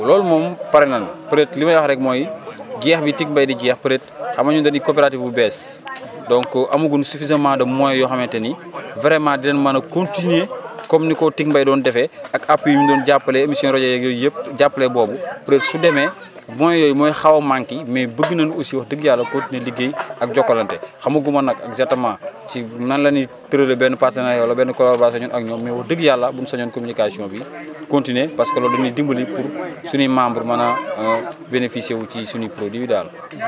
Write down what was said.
waaw loolu moom pare nañu peut être li may wax rek mooy jeex bi Ticmbay di jeex peut être xam nga ñu dañuy coopérative bu bees donc amaguénu suffisamment de moyens yoo xamante ni variment dinañ mën a continué comme ni ko Ticmbay doon defee ak appui yi mu doon jàppale émission rajo yeeg yooyu yëpp jàppale boobu peut être su demee moyens yooyu mooy xaw a manqué mais bëgg nañu aussi wax dëgg yàlla continué liggéey ak Jokalante xamaguma nag exactement ci nan la ñuy tëralee benn partenariat wala benn collaboration ñun ak ñoom mais wax dëgg yàlla bu ñu sañoon communication bi continué parce que loolu dafa ñuy dimbali pour suñuy membres mën a bénéficié wu ci suñuy produits daal